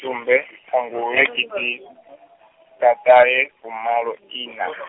sumbe, ṱhangule gidiḓaṱahefumaloiṋa.